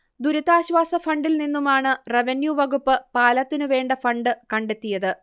ദുരിതാശ്വാസ ഫണ്ടിൽനിന്നുമാണ് റവന്യു വകുപ്പ് പാലത്തിനുവേണ്ട ഫണ്ട് കണ്ടെത്തിയത്